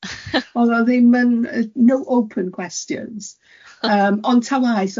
O'dd o ddim yn yy no open cwetsions yym ond ta waeth